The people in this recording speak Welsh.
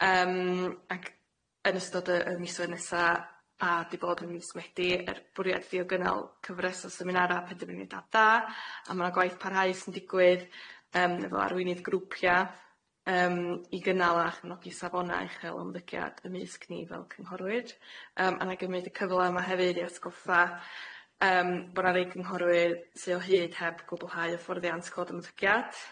Yym ag- yn ystod y y misodd nesa a di bod yn mis Medi er bwriad ddiogynnal cyfres o seminara penderfyniad da a ma' na gwaith parhau sy'n digwydd yym efo arweinydd grwpia, yym i gynnal a chyfnogi safona uchel ymddygiad ymysg ni fel cynghorwyd yym a na gymyd y cyfla yma hefyd i atgoffa yym bo' na rei cynghorwyd sy o hyd heb gwblhau hyfforddiant cod ymddygiad